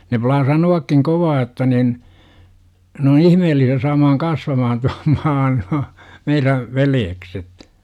ne plaa sanoakin kovaa jotta niin ne on ihmeellisiä saamaan kasvamaan tuon maan nuo meidän veljekset